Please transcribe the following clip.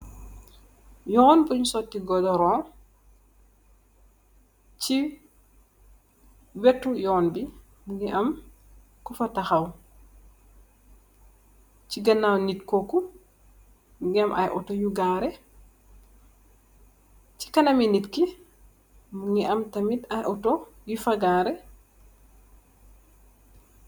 Yoon wuñg sooti goddoroñg, si péggë yoon bi, mu ngi am kuffa taxaw. Ci ganaaw kooku, mu ngi am ay otto yu gaaré, mu ngi am tamit ay otto yu fa gaaré.